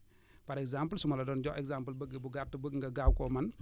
par exemple su ma la doon jox exemple bëgg bu gaaw bëgg nga gaaw koo mën